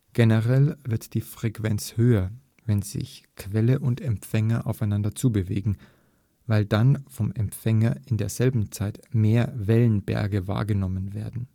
Generell wird die Frequenz größer, wenn sich Quelle und Empfänger aufeinander zubewegen, weil dann vom Empfänger in derselben Zeit mehr Wellenberge wahrgenommen werden